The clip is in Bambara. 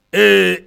Ee